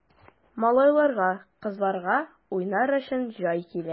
Малайларга, кызларга уйнар өчен җай килә!